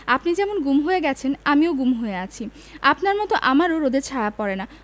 আপনি যেমন গুম হয়ে গেছেন আমিও গুম হয়ে আছি আপনার মতো আমারও রোদে ছায়া পড়ে না